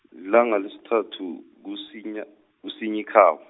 lilanga lesithathu kuSinya- kuSinyikhab-.